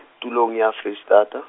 tulong ya Foreistata.